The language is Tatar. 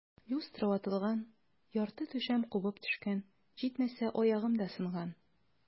Люстра ватылган, ярты түшәм кубып төшкән, җитмәсә, аягым да сынган.